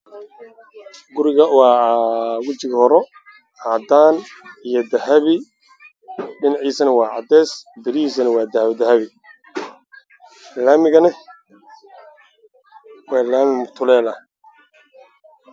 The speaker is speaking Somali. Guri isaga oo dhan wada ifayey waxaana ka ifayelay wuxuu leeyahay gen madow ah